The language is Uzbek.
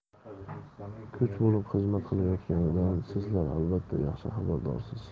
kuch bo'lib xizmat qilayotganidan sizlar albatta yaxshi xabardorsiz